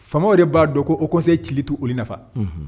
Faamaw yɛrɛ b'a dɔn ko haut conseil cili tu olu nafa, unhun